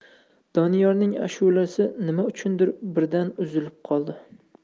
doniyorning ashulasi nima uchundir birdan uzilib qoldi